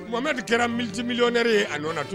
Mamame de kɛra mi milɛ ye a nɔ natu